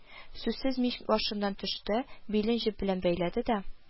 Сүзсез мич башыннан төште, билен җеп белән бәйләде дә: